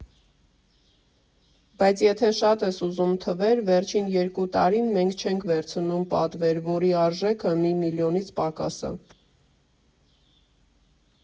Բայց եթե շատ ես ուզում թվեր, վերջին երկու տարին մենք չենք վերցնում պատվեր, որի արժեքը մի միլիոնից պակաս ա։